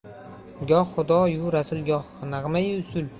goh xudo yu rasul goh nag'mayi usul